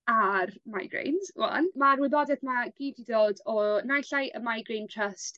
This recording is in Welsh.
Ar migraines rŵan. Ma'r wybodeth 'ma gyd 'di dod o naill ai y Migraine Trust